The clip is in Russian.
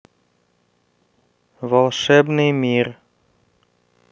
волшебный мир